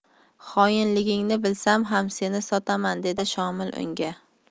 xoinligingni bilsam ham seni sotmadim dedi shomil unga